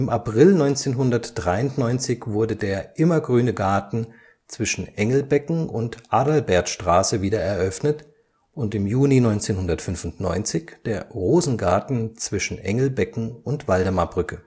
April 1993 wurde der Immergrüne Garten zwischen Engelbecken und Adalbertstraße wieder eröffnet und im Juni 1995 der Rosengarten zwischen Engelbecken und Waldemarbrücke